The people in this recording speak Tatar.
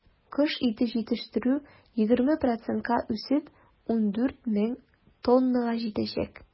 Кош ите җитештерү, 20 процентка үсеп, 14 мең тоннага җитәчәк.